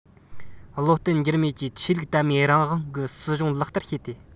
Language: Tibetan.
བློ བརྟན འགྱུར མེད ཀྱིས ཆོས ལུགས དད མོས རང དབང གི སྲིད ཇུས ལག བསྟར བྱས ཏེ